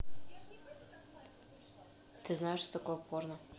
ты знаешь что такое порно